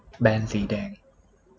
แบนสีแดง